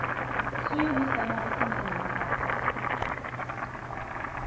síðani seyma vit kaninina saman